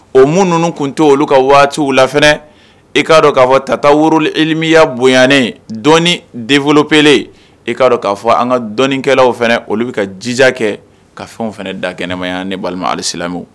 O mun ninnu tun tɛ olu ka waatiw la e k'a dɔn k'a fɔ tata woro emiya bonyanen dɔni denbolo peele e k'a dɔn k'a fɔ an ka dɔnkɛlawlaw fana olu bɛ ka jija kɛ ka fɛnw fana da kɛnɛma yan ne balima halisimu